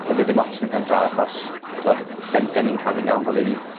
bydde dim ots yn y pen draw acos t'w' m- 'dyn 'dyn ni'n cadw'n iawn fel 'yn ni.